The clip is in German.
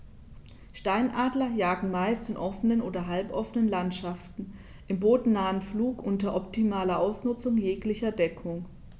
Steinadler jagen meist in offenen oder halboffenen Landschaften im bodennahen Flug unter optimaler Ausnutzung jeglicher Deckung.